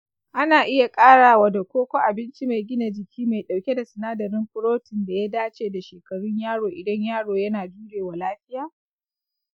ana iya ƙara wa da koko abinci mai gina jiki mai ɗauke da sinadarin protein da ya dace da shekarun yaro idan yaro yana jurewa lafiya.